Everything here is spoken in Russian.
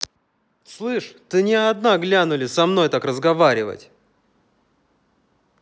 слышь ты не одна глянули со мной так разговаривать